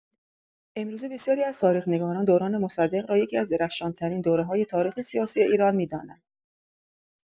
امروزه بسیاری از تاریخ‌نگاران، دوران مصدق را یکی‌از درخشان‌ترین دوره‌های تاریخ سیاسی ایران می‌دانند.